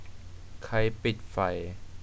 ใครปิดไฟ